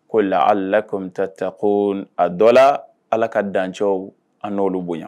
Ko la alala kɔmimi taa ta ko a dɔ la ala ka dancɛw an n'olu bonya